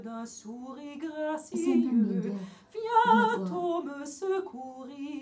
sendan menga yodgor